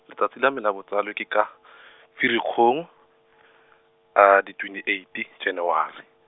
le tsatsi la me la botsalo ke ka , Ferikgong, di twenty eighty, January.